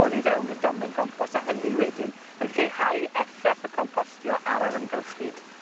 oddi fewn i'r domen gompost, a hynny wedyn yn lleihau effeth y compostio ar yr amgylchfyd.